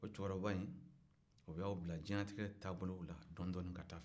o cɛkɔrɔba in o b'aw bila diɲɛnatigɛ taa bolow la dɔɔnin-dɔɔnin ka taa fɛ